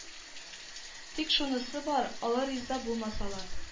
Тик шунысы бар алар риза булмасалар